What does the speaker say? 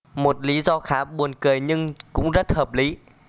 một lý do khá buồn cười nhưng cũng rất hợp lý